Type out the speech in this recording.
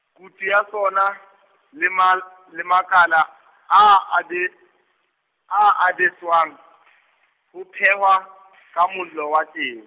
kutu ya sona, le ma-, le makala, a a abe-, a a beswa , ho phehwa, ka mollo wa teng.